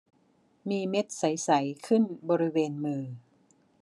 มีเม็ดใสใสขึ้นบริเวณมือ